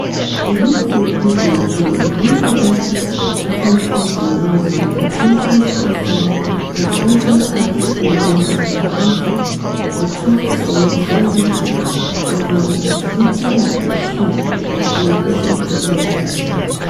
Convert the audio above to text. The risk increased in June, when federal authorities announced that potential sponsors and other adult members of their households would have to submit fingerprints, and that the data would be shared with immigration authorities.